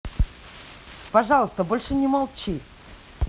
пожалуйста больше не молчи